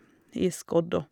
I skodda.